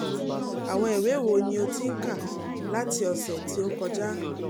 Àwọn ìwé wo ni o ti ń kà láti ọ̀sẹ̀ tí ó kọjá?